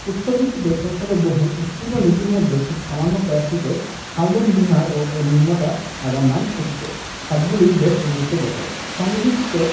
উৎসর্গীকৃত ছোট ছোট বহু উৎকীর্ণ লিপির মধ্যে খুব সামান্য কয়েকটিতে শালবন বিহার ও এর নির্মাতা রাজার নাম খচিত সবগুলিই বেশ গুরুত্ববহ সংগ্রহকৃত